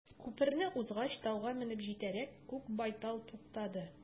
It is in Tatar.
Күперне узгач, тауга менеп җитәрәк, күк байтал туктады.